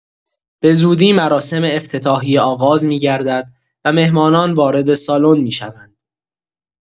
بزودی مراسم افتتاحیه آغاز می‌گردد و مهمانان وارد سالن می‌شوند.